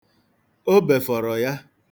O befọrọ ya.